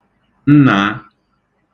nnàa